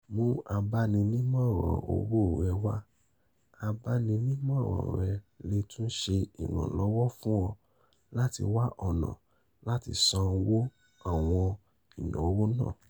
Mú agbanínimọran owó rẹ wá: Agbanínimọran rẹ̀ lè tún ṣe ìrànlọ́wọ́ fún ọ láti wá ọ̀nà láti sanwo àwọn ìnáwó náà.